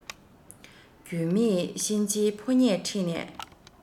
རྒྱུས མེད གཤིན རྗེ ཕོ ཉས ཁྲིད ནས